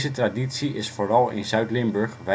traditie is vooral in Zuid-Limburg